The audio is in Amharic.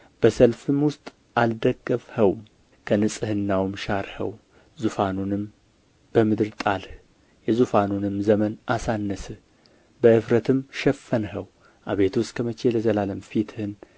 በሰልፍም ውስጥ አልደገፍኸውም ከንጽሕናውም ሻርኸው ዙፋኑንም በምድር ጣልህ የዙፋኑንም ዘመን አሳነስህ በእፍረትም ሸፈንኸው አቤቱ እስከ መቼ ለዘላለም ፊትህን